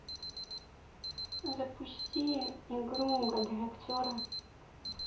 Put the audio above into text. запусти игру угадай актера